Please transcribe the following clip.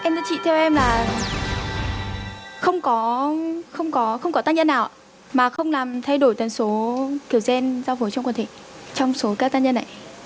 em thưa chị theo em là không có không có không có tác nhân nào ạ mà không làm thay đổi tần số kiểu den giao phối trong quần thể trong số các tác nhân này